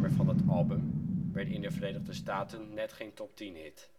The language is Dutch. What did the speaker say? van het album werd in de Verenigde Staten net geen top 10 hit